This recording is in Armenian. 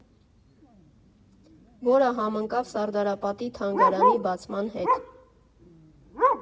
Որը համընկավ Սարդարապատի թանգարանի բացման հետ։